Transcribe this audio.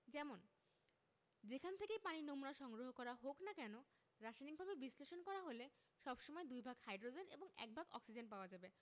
যেমন যেখান থেকেই পানির নমুনা সংগ্রহ করা হোক না কেন রাসায়নিকভাবে বিশ্লেষণ করা হলে সব সময় দুই ভাগ হাইড্রোজেন এবং এক ভাগ অক্সিজেন পাওয়া যাবে